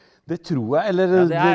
det tror jeg eller det.